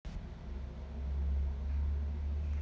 denis провела водка первый день посидела дома